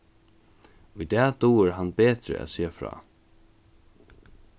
í dag dugir hann betur at siga frá